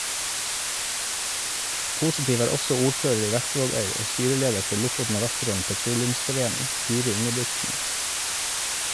Positiv er også ordfører i Vestvågøy og styreleder for Lofoten og Vesterålen Petroleumsforening, Guri Ingebrigtsen.